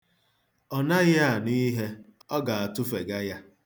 Ọ naghị anụ ihe, ọ ga-atụfega ya.